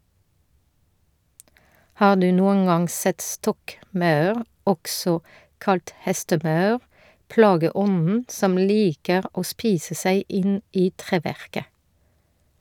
Har du noen gang sett stokkmaur, også kalt hestemaur, plageånden som liker å spise seg inn i treverket?